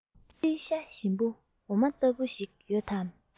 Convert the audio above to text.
ཙི ཙིའི ཤ ཞིམ པོ འོ མ ལྟ བུ ཞིག ཡོད དམ